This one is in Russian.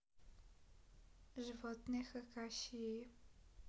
животные хакасии